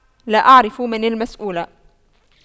لا اعرف من المسؤول